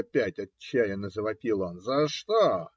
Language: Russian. - опять отчаянно завопил он. - За что?